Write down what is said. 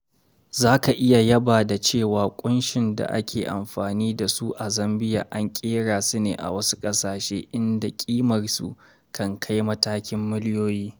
Za ka yaba da cewa kunshin da ake amfani da su a zambia an kera su ne a wasu kasashe inda kimarsu kan kai matakin miliyoyi.